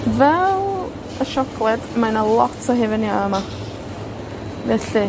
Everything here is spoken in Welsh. Fel y siocled, mae 'na lot o hufen iâ yma, felly